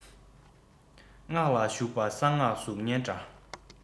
སྔགས ལ ཞུགས པ གསང སྔགས གཟུགས བརྙན འདྲ